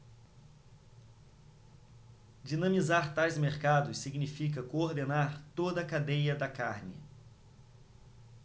dinamizar tais mercados significa coordenar toda a cadeia da carne